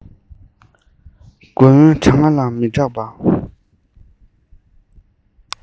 དགུན གྲང ངར ལ མི སྐྲག པ